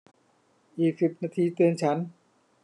อีกสิบนาทีเตือนฉัน